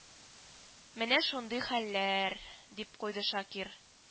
— менә шундый хәлләр…— дип куйды шакир